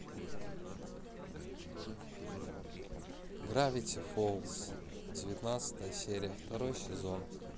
гравити фолз девятнадцатая серия второй сезон